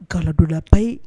Gadola taye